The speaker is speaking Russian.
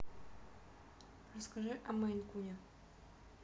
расскажи о мейн куне